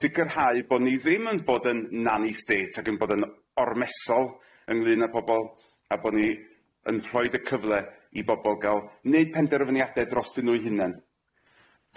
Sicirhau bo' ni ddim yn bod yn nani stêt ag yn bod yn ormesol ynglŷn â pobol a bo ni yn rhoid y cyfle i bobol ga'l neud penderfyniade drosyn nw'i hunen.